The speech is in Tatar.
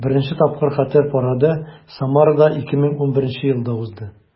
Беренче тапкыр Хәтер парады Самарада 2011 елда узды.